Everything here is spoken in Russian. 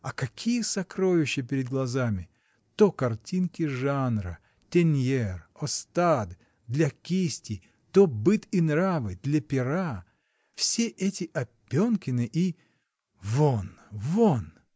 — А какие сокровища перед глазами: то картинки жанра, Теньер, Остад — для кисти, то быт и нравы — для пера: все эти Опенкины и. вон, вон.